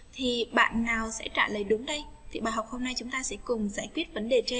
thì bạn nào sẽ trả lời đúng đấy chị bảo hôm nay chúng ta sẽ cùng giải quyết vấn đề gì